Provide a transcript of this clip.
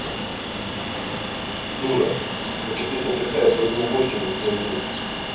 дура это песня такая пойду водки найду